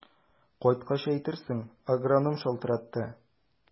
Кайткач әйтерсең, агроном чылтыратты.